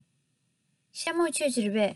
ཤ མོག མཆོད ཀྱི རེད པས